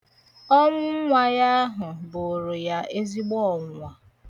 Ọnwụ nwa ya ahụ bụụrụ ya ezigbo ọnwụnwa.